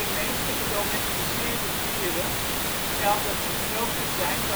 meeste gedomesticeerde dieren geldt dat ze groter zijn